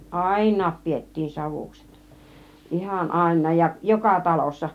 ainakin pidettiin savukset ihan ainakin ja joka talossa